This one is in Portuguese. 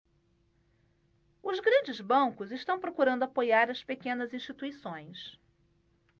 os grandes bancos estão procurando apoiar as pequenas instituições